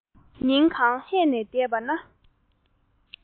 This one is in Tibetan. ཉིན གང ཧད ནས བསྡད པ ན